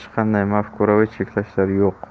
hech qanday mafkuraviy cheklashlar yo'q